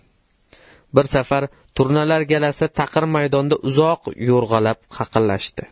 bir safar turnalar galasi taqir maydonda uzoq yo'rg'alab qaqillashdi